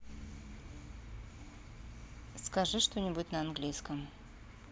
скажи что нибудь на английском